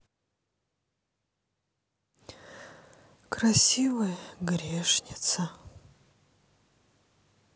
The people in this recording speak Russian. красивая грешница